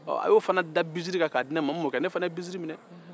ɔ a y'o fana da binsiri kan ka di ne ma ne fana ye binsiri minɛ